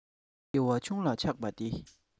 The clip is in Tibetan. བདེ བ ཆུང ལ ཆགས པ དེས